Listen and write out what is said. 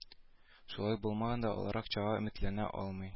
Шулай булмаганда алар акчага өметләнә алмый